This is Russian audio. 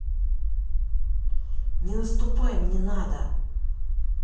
не наступай мне надо